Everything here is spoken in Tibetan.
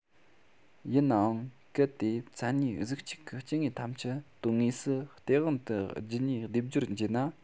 ཡིན ནའང གལ ཏེ མཚན གཉིས གཟུགས གཅིག གི སྐྱེ དངོས ཐམས ཅད དོན དངོས སུ སྟེས དབང དུ རྒྱུད གཉིས སྡེབ སྦྱོར བགྱི ན